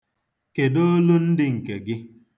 Kedụ olundị nke gị?